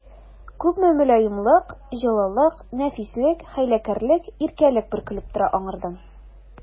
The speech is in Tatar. Күпме мөлаемлык, җылылык, нәфислек, хәйләкәрлек, иркәлек бөркелеп тора аңардан!